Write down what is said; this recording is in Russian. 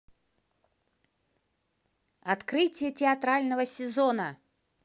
открытие театрального сезона